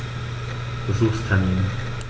Besuchstermin